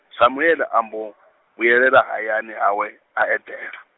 Samuele ambo , vhuyelela hayani hawe, a eḓela.